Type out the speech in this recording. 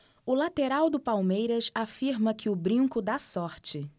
o lateral do palmeiras afirma que o brinco dá sorte